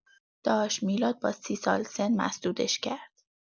داش میلاد با ۳۰ سال سن مسدودش کرد.